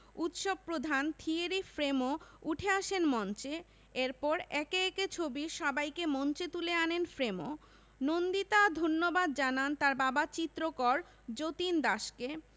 উৎসব প্রধান Thierry Fremaux উঠে আসেন মঞ্চে এরপর একে একে ছবির সবাইকে মঞ্চে তুলে আনেন ফ্রেমো নন্দিতা ধন্যবাদ জানান তার বাবা চিত্রকর যতীন দাসকে